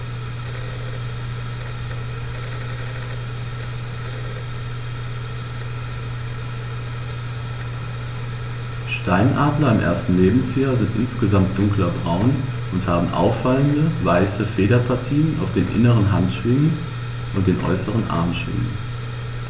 Steinadler im ersten Lebensjahr sind insgesamt dunkler braun und haben auffallende, weiße Federpartien auf den inneren Handschwingen und den äußeren Armschwingen.